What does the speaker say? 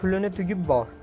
pulini tugib bor